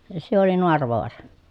se oli Naaravaara